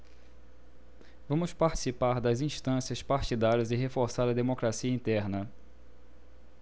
vamos participar das instâncias partidárias e reforçar a democracia interna